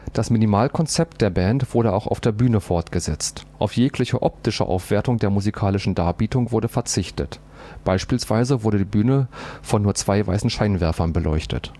Das Minimal-Konzept der Band wurde auch auf der Bühne fortgesetzt: Auf jegliche optische Aufwertung der musikalischen Darbietung wurde verzichtet. Beispielsweise wurde die Bühne von nur zwei weißen Scheinwerfern beleuchtet